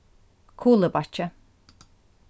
kulibakki